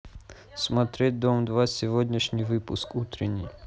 смотреть дом два сегодняшний выпуск утренний